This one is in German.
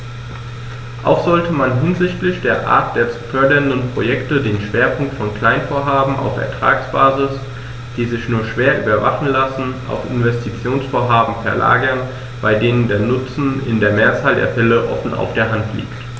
Auch sollte man hinsichtlich der Art der zu fördernden Projekte den Schwerpunkt von Kleinvorhaben auf Ertragsbasis, die sich nur schwer überwachen lassen, auf Investitionsvorhaben verlagern, bei denen der Nutzen in der Mehrzahl der Fälle offen auf der Hand liegt.